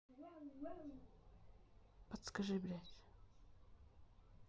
подскажи блядь